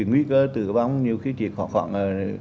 nguy cơ tử vong nếu khi chỉ khoảng khoảng